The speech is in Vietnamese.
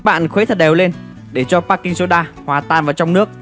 các bạn khuấy thật đều lên để cho baking soda hòa tan vào trong nước